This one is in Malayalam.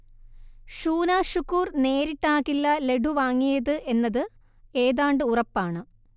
ഷൂനാ ഷുക്കൂർ നേരിട്ടാകില്ല ലഡ്ഡു വാങ്ങിയത് എന്നത് ഏതാണ്ട് ഉറപ്പാണ്